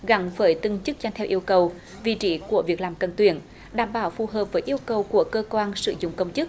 gắn với từng chức danh theo yêu cầu vị trí của việc làm cần tuyển đảm bảo phù hợp với yêu cầu của cơ quan sử dụng công chức